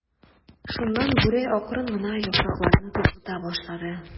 Шуннан Бүре акрын гына яфракларны тузгыта башлады.